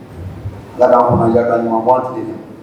Da fanaja ka ye